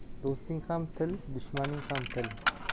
do'sting ham til dushmaning ham til